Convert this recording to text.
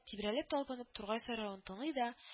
Тирбәлеп-талпынып тургай сайравын тыңлый да